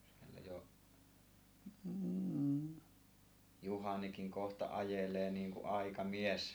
siellä jo Juhanikin kohta ajelee niin kuin aikamies